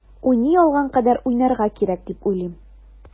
Уйный алган кадәр уйнарга кирәк дип уйлыйм.